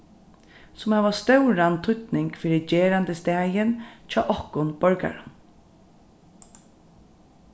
sum hava stóran týdning fyri gerandisdagin hjá okkum borgarum